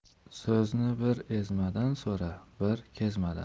so'zni bir ezmadan so'ra bir kezmadan